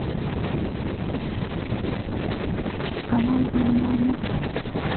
канал для няни